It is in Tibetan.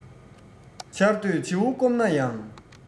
ཆར འདོད བྱེའུ སྐོམ ན ཡང